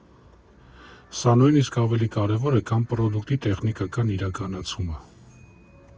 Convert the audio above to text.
Սա նույնիսկ ավելի կարևոր է, քան պրոդուկտի տեխնիկական իրականացումը։